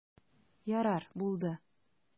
Ярар, булды.